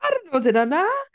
Ar y nodyn yna...